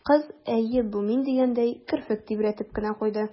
Кыз, «әйе, бу мин» дигәндәй, керфек тибрәтеп кенә куйды.